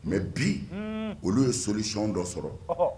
Mɛ bi olu ye soliyɔn dɔ sɔrɔ